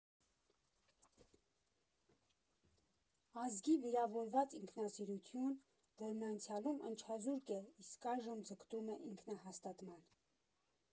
Ազգի վիրավորված ինքնասիրություն, որն անցյալում ընչազուրկ է իսկ այժմ ձգտում է ինքնահաստատման։